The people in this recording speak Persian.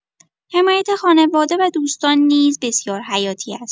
حمایت خانواده و دوستان نیز بسیار حیاتی است.